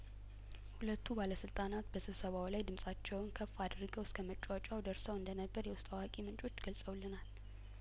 ሁለቱ ባለስልጣናት በስብሰባው ላይ ድምጻቸውን ከፍ አድርገው እስከ መጯጫህ ደርሰው እንደነበር የውስጥ አዋቂምንጮች ገልጸውለናል